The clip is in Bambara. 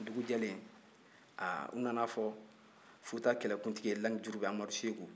dugu jɛlen ha u nana fɔ futa kɛlɛkuntigi ye lamijurubɛ amadu seku